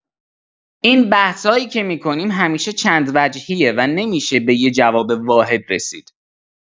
این بحثایی که می‌کنیم همیشه چندوجهیه و نمی‌شه به یه جواب واحد رسید.